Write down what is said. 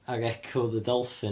Ac Echo the Dolphin.